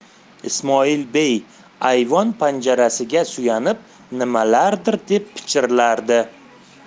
ismoilbey ayvon panjarasiga suyanib nimalardir deb pichirlardi